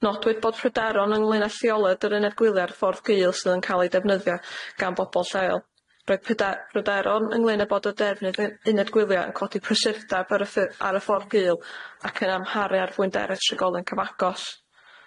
Nodwyd bod pryderon ynglŷn â lleoliad yr uned gwylia'r ffordd gul sydd yn ca'l ei defnyddia gan bobol lleol, roedd pryda- pryderon ynglŷn â bod y defnydd yr uned gwylia' yn codi prysurda ar y ff- ar y ffordd gul ac yn amharu ar fwyndera trigolion cyfagos.